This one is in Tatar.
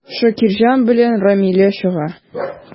Шакирҗан белән Рамилә чыга.